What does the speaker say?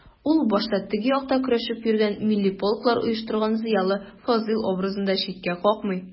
Ул башта «теге як»та көрәшеп йөргән, милли полклар оештырган зыялы Фазыйл образын да читкә какмый.